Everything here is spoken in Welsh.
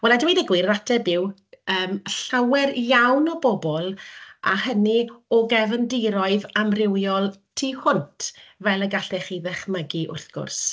Wel a dweud y gwir, yr ateb yw, yym llawer iawn o bobl a hynny o gefndiroedd amrywiol tu hwnt, fel y gallech chi ddychmygu wrth gwrs.